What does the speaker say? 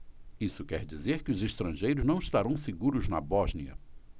isso quer dizer que os estrangeiros não estarão seguros na bósnia